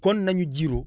kon nañu jiiróo